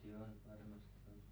no varmasti on varmasti on